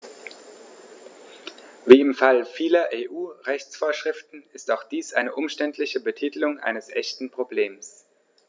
Wie im Fall vieler EU-Rechtsvorschriften ist auch dies eine umständliche Betitelung eines echten Problems.